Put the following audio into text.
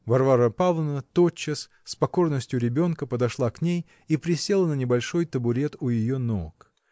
Варвара Павловна тотчас, с покорностью ребенка, подошла к ней и присела на небольшой табурет у ее ног.